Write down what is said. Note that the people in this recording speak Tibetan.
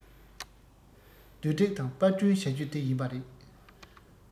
བསྡུ སྒྲིག དང པར སྐྲུན བྱ རྒྱུ དེ ཡིན པ རེད